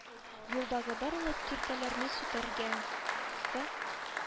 Юлдагы барлык киртәләрне сүтәргә, сы